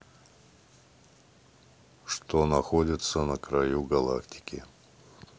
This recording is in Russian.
что находится на краю галактики